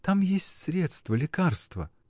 — Там есть средства, лекарства.